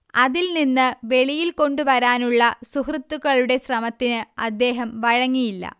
അതിൽ നിന്ന് വെളിയിൽ കൊണ്ടുവരാനുള്ള സുഹൃത്തുക്കളുടെ ശ്രമത്തിന് അദ്ദേഹം വഴങ്ങിയില്ല